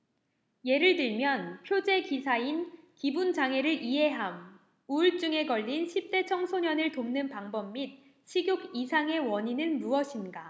예를 들면 표제 기사인 기분 장애를 이해함 우울증에 걸린 십대 청소년을 돕는 방법 및 식욕 이상의 원인은 무엇인가